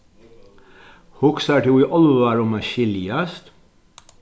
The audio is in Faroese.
hugsar tú í álvara um at skiljast